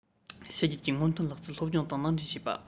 ཕྱི རྒྱལ གྱི སྔོན ཐོན ལག རྩལ སློབ སྦྱོང དང ནང འདྲེན བྱས